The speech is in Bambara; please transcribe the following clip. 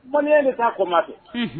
Unhun